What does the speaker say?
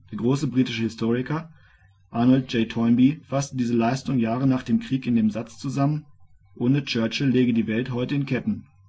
große britische Historiker Arnold J. Toynbee fasste diese Leistung Jahre nach dem Krieg in den Satz zusammen: " Ohne Churchill läge die Welt heute in Ketten